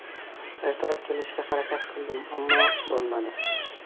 ertaroq kelishga harakat qildim ammo bo'lmadi